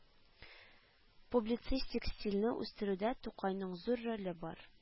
Публицистик стильне үстерүдә Тукайның зур роле бар